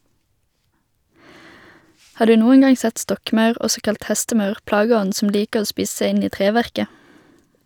Har du noen gang sett stokkmaur, også kalt hestemaur, plageånden som liker å spise seg inn i treverket?